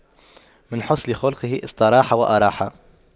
من حسن خُلُقُه استراح وأراح